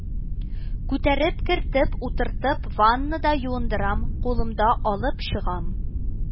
Күтәреп кертеп утыртып ваннада юындырам, кулымда алып чыгам